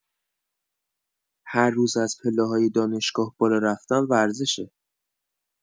هرروز از پله‌های دانشگاه بالا رفتن ورزشه